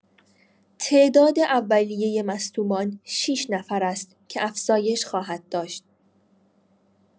تعداد اولیه مصدومان ۶ نفر است که افزایش خواهد داشت.